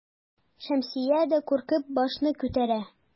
Шәмсия дә куркып башын күтәрә.